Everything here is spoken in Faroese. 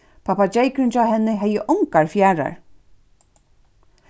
pappageykurin hjá henni hevði ongar fjaðrar